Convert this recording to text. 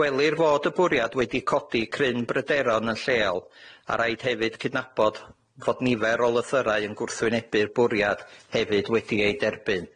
Gwelir fod y bwriad wedi codi cryn bryderon yn lleol, a raid hefyd cydnabod fod nifer o lythyrau yn gwrthwynebu'r bwriad hefyd wedi ei derbyn.